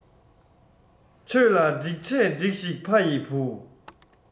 ཆོས ལ སྒྲིག ཆས སྒྲིགས ཤིག ཕ ཡི བུ